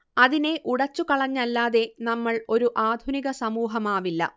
അതിനെ ഉടച്ചു കളഞ്ഞല്ലാതെ നമ്മൾ ഒരു ആധുനിക സമൂഹമാവില്ല